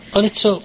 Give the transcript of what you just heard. On' eto...